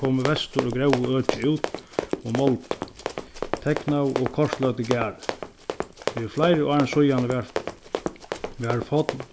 komu vestur og gróvu økið út og máldu teknaðu og kortløgdu garðin fyri fleiri árum síðani varð varð forn